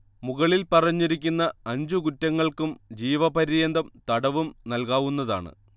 മുകളിൽ പറഞ്ഞിരിക്കുന്ന അഞ്ചു കുറ്റങ്ങൾക്കും ജീവപര്യന്തം തടവും നൽകാവുന്നതാണ്